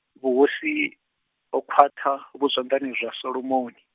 vhuhosi ho khwaṱha vhu zwanḓani zwa Solomoni.